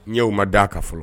N y'o ma d ka fɔlɔ